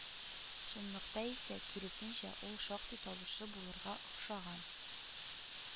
Чынлыкта исә, киресенчә, ул шактый табышлы булырга охшаган